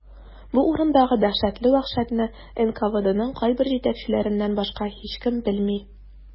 Бу урындагы дәһшәтле вәхшәтне НКВДның кайбер җитәкчеләреннән башка һичкем белми.